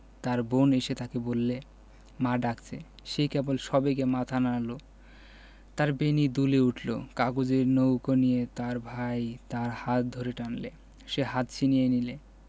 তার বোন এসে তাকে বললে মা ডাকছে সে কেবল সবেগে মাথা নাড়ল তার বেণী দুলে উঠল কাগজের নৌকো নিয়ে তার ভাই তার হাত ধরে টানলে সে হাত ছিনিয়ে নিলে